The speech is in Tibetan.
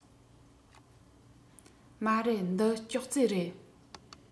མ རེད འདི ཅོག ཙེ རེད